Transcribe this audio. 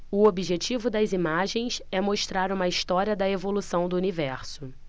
o objetivo das imagens é mostrar uma história da evolução do universo